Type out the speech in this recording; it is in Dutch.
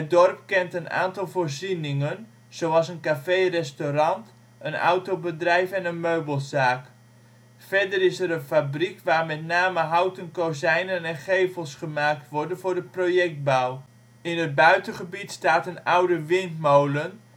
dorp kent een aantal voorzieningen, zoals een café-restaurant, een autobedrijf en een meubelzaak. Verder is er een fabriek waar met name houten kozijnen en gevels gemaakt worden voor de projectbouw. In het buitengebied staat een oude windmolen